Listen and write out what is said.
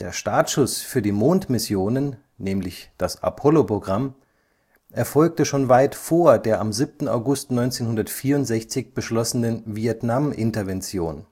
Startschuss für die Mondmissionen (Apollo-Programm) erfolgte schon weit vor der am 7. August 1964 beschlossenen Vietnamintervention